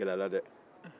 ko nin gɛlɛyala dɛɛ